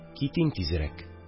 Китим тизрәк!